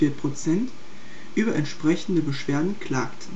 4,0 %) über entsprechende Beschwerden klagten